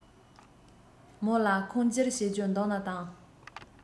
མོ ལ ཁུངས སྐྱེལ བྱེད རྒྱུ འདུག ན དང